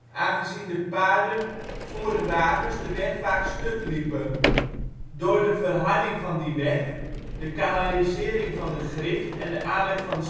aangezien de paarden voor de wagens de weg vaak stuk liepen. Door de verharding van die de weg, de kanalisering van de Grift en de aanleg van